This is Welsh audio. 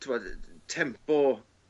t'bod yy tempo